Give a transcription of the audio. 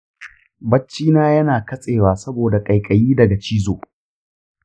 bacci na yana katsewa saboda ƙaiƙayi daga cizo.